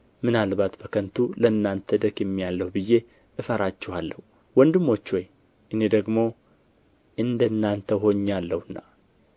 ምናልባት በከንቱ ለእናንተ ደክሜአለሁ ብዬ እፈራችኋለሁ ወንድሞች ሆይ እኔ ደግሞ እንደ እናንተ ሆኜአለሁና